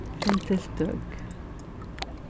finn tiltøk